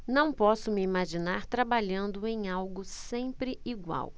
não posso me imaginar trabalhando em algo sempre igual